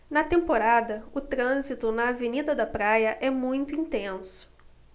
na temporada o trânsito na avenida da praia é muito intenso